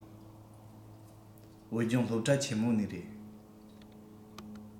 བོད ལྗོངས སློབ གྲྭ ཆེན མོ ནས རེད